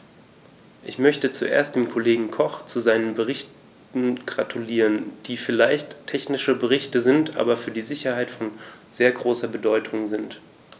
Ich möchte zuerst dem Kollegen Koch zu seinen Berichten gratulieren, die vielleicht technische Berichte sind, aber für die Sicherheit von sehr großer Bedeutung sind.